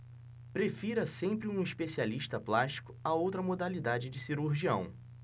prefira sempre um especialista plástico a outra modalidade de cirurgião